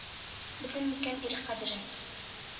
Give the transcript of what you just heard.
Белдем микән ирек кадерен